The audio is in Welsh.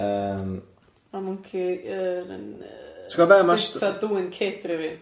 Yym ma' mwnci yr yn yy tibod be ma' st- fatha dwyn kid rywun?